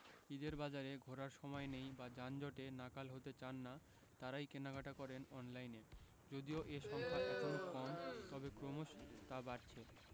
ঈদের বাজারে ঘোরার সময় নেই বা যানজটে নাকাল হতে চান না তাঁরাই কেনাকাটা করেন অনলাইনে যদিও এ সংখ্যা এখনো কম তবে ক্রমশ তা বাড়ছে